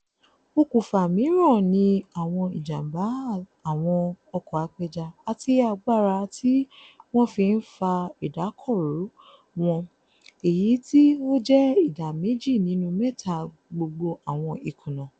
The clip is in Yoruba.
Okùnfà mìíràn ni àwọn ìjàm̀bá àwọn ọkọ̀ apẹja àti agbára tí wọ́n fi ń fa ìdákọ̀ró wọn, èyí tí ó jẹ́ ìdá méjì nínú mẹ́ta gbogbo àwọn ìkùnà.